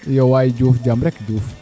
iyo waay Diouf jam rek Diouf